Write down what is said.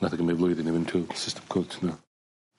Nath e gymyd flwyddyn i mynd trw system court n'w.